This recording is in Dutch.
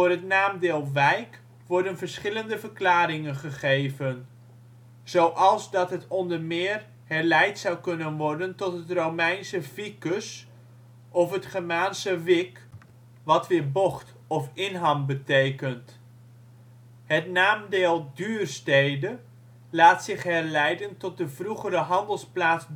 het naamdeel Wijk worden verschillende verklaringen gegeven, zoals dat het onder meer herleid zou kunnen worden tot het Romeinse vicus, of het Germaanse wik wat weer " bocht " of " inham " betekent. Het naamdeel Duurstede laat zich herleiden tot de vroegere handelsplaats Dorestad